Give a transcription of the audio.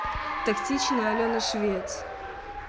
токсичная алена швец